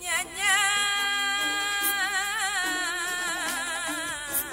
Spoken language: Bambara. Diyaɲɛɛɛɛ